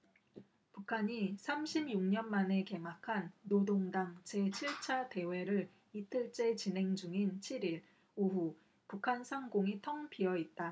북한이 삼십 육 년 만에 개막한 노동당 제 칠 차 대회를 이틀 째 진행 중인 칠 일 오후 북한 상공이 텅 비어 있다